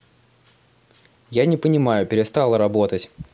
я не понимаю перестала работать